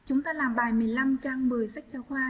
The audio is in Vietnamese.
chúng ta làm bài trang sách giáo khoa